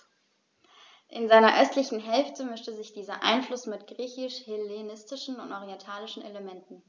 In seiner östlichen Hälfte mischte sich dieser Einfluss mit griechisch-hellenistischen und orientalischen Elementen.